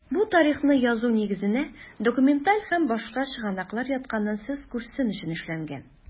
Бу тарихны язу нигезенә документаль һәм башка чыгынаклыр ятканын сез күрсен өчен эшләнгән.